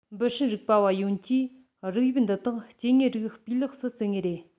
འབུ སྲིན རིག པ བ ཡོངས ཀྱིས རིགས དབྱིབས འདི དག སྐྱེ དངོས རིགས སྤུས ལེགས སུ བརྩི ངེས རེད